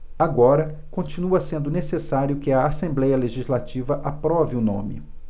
agora continua sendo necessário que a assembléia legislativa aprove o nome